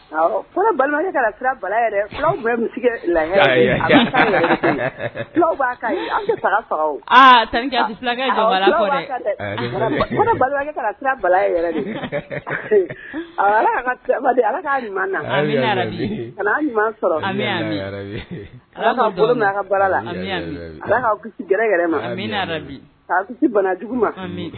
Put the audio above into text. Balimakɛ kanasira bala fula bɛ misi la b'a faga bala sɔrɔ ala ka bara la ala ma bana jugu ma